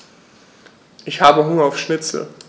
Ich habe Hunger auf Schnitzel.